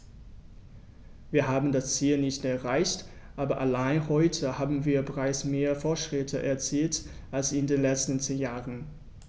Wir haben das Ziel nicht erreicht, aber allein heute haben wir bereits mehr Fortschritte erzielt als in den letzten zehn Jahren.